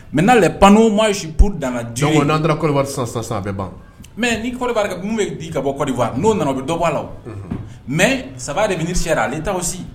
Mɛ n'aale pan n'o ma sip danga jɔn sa sa a bɛ ban mɛ niiba bɛ di ka bɔli n'o nana bɛ dɔba la mɛ saba de min si ani t'aw si